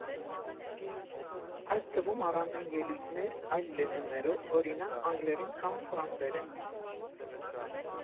Այդ թվում առանձին ելույթներ այլ լեզուներով, օրինակ՝ անգլերեն կամ ֆրանսերեն։